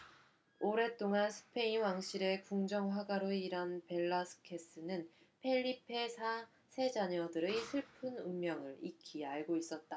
오랫동안 스페인 왕실의 궁정화가로 일한 벨라스케스는 펠리페 사 세 자녀들의 슬픈 운명을 익히 알고 있었다